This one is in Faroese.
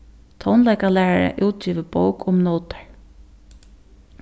tónleikalærari útgivið bók um nótar